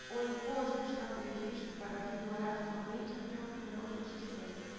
o imposto está previsto para vigorar somente até o final deste ano